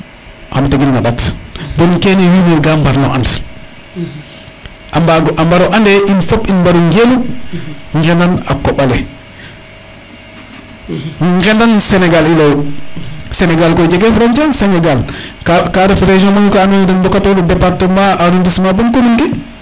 xam tegin na ndat bon kene wiin we ga mbarno and a mbago a mbaro ande in fop in mbaru ngenu ngenan a koɓale ngenan Senegal i leyu senegal koy jege frontiere senegal ka ref region mayu ka ando naye den mbaka toru departement arrondissement